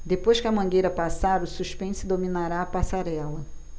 depois que a mangueira passar o suspense dominará a passarela